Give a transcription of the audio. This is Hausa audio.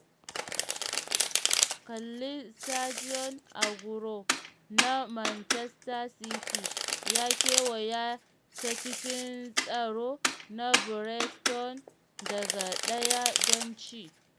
Kalli: Sergio Aguero na Manchester City ya kewaya ta cikin tsaro na Brighton gaba ɗaya don ci